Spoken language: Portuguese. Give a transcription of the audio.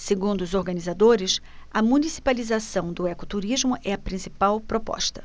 segundo os organizadores a municipalização do ecoturismo é a principal proposta